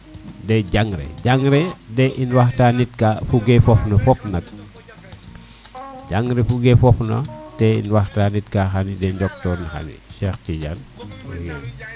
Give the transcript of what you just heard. de jangre jangre te i waxtanit ka foge fog na fop nak jandri foger na fopna te i waxtanit ka xani de njokor ni xani Cheikh Tidiane i